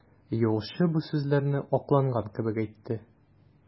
Юлчы бу сүзләрне акланган кебек әйтте.